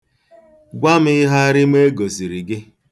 Gwa m ihearịma e gosiri gị.